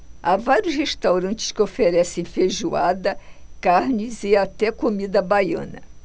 há vários restaurantes que oferecem feijoada carnes e até comida baiana